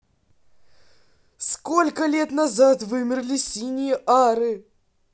сколько лет назад вымерли синие ары